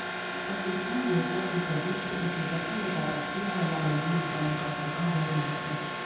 Տեսություն և տեխնիկա» գիրքը՝ իր տեսակի մեջ առաջին հայալեզու լուսանկարչական ձեռնարկը։